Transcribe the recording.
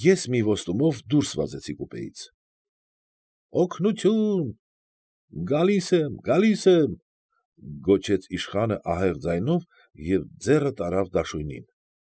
Ես մի ոստումով դուրս վազեցի կուպեից։ ֊ Օգնությո՜ւն, գալիս եմ, գալի՜ս եմ,֊ գոչեց իշխանը ահեղ ձայնով և ձեռը տարավ դաշույնին։